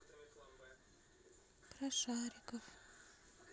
про шариков